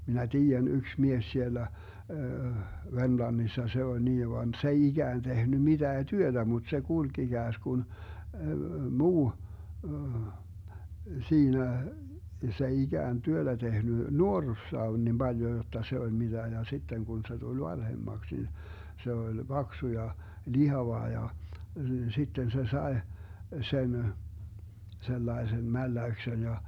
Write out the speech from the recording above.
minä tiedän yksi mies siellä Vermlannissa se oli niin vaan se ei ikään tehnyt mitään työtä mutta se kulki ikään kuin muu siinä se ei ikään työtä tehnyt nuoruudessaan on niin paljon jotta se oli mitä ja sitten kun se tuli vanhemmaksi niin se oli paksu ja lihava ja sitten se sai sen sellaisen mälläyksen ja